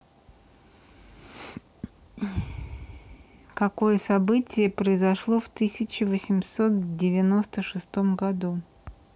какое событие произошло в тысяча восемьсот девяносто шестом году